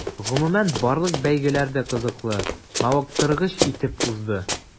Гомумән, барлык бәйгеләр дә кызыклы, мавыктыргыч итеп узды.